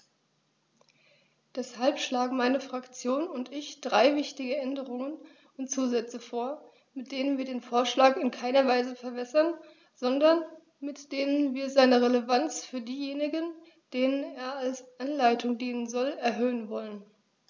Deshalb schlagen meine Fraktion und ich drei wichtige Änderungen und Zusätze vor, mit denen wir den Vorschlag in keiner Weise verwässern, sondern mit denen wir seine Relevanz für diejenigen, denen er als Anleitung dienen soll, erhöhen wollen.